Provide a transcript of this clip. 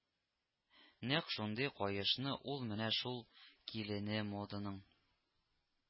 Нәкъ шундый каешны ул менә шул килене моданың